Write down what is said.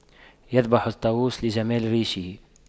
يذبح الطاووس لجمال ريشه